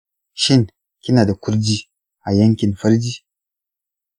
shin kina da kurji a yankin farji?